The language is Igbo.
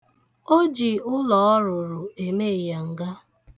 O ji ụlọ ọ rụrụ eme ịnyanga.